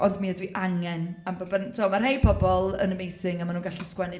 ond mi ydw i angen. Am be byn- tibod. Mae rhei pobl yn amazing ac maen nhw'n gallu sgwennu...